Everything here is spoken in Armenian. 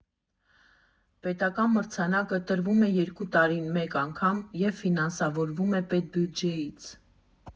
Պետական մրցանակը տրվում է երկու տարին մեկ անգամ և ֆինանսավորվում է պետբյուջեից։